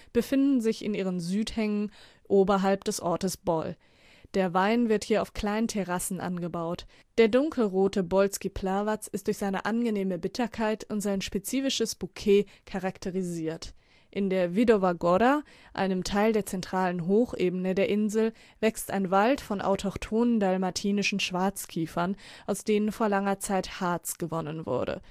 befinden sich an ihren Südhängen oberhalb des Ortes Bol. Der Wein wird hier auf kleinen Terrassen angebaut. Der dunkelrote Bolski Plavac ist durch seine angenehme Bitterkeit und sein spezifisches Bouquet charakterisiert. In der Vidova Gora, einem Teil der zentralen Hochebene der Insel, wächst ein Wald von autochthonen dalmatinischen Schwarzkiefern, aus denen vor langer Zeit Harz gewonnen wurde